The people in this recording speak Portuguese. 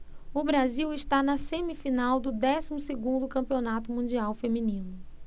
o brasil está na semifinal do décimo segundo campeonato mundial feminino